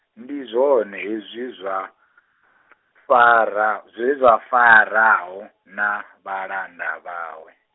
ndi zwone hezwi zwa, Fara- zwe zwa Faraho, na, vhalanda vhawe.